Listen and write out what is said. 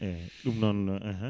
eyyi ɗum noon